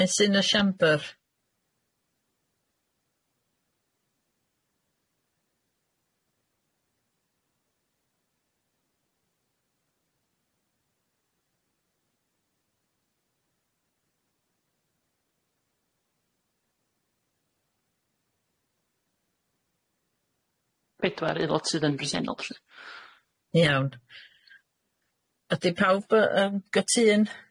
Fain' syn y siambr? Pedwar aelod sy yn bresenol lly. Ydi pawb yn gytun?